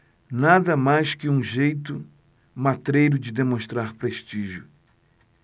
nada mais que um jeito matreiro de demonstrar prestígio